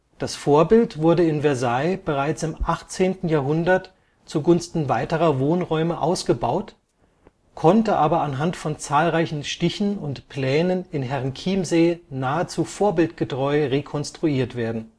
Das Vorbild wurde in Versailles bereits im 18. Jahrhundert zugunsten weiterer Wohnräume ausgebaut, konnte aber anhand von zahlreichen Stichen und Plänen in Herrenchiemsee nahezu vorbildgetreu rekonstruiert werden